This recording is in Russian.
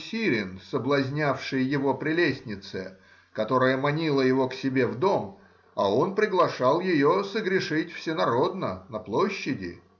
Сирин соблазнявшей его прелестнице, которая манила его к себе в дом, а он приглашал ее согрешить всенародно на площади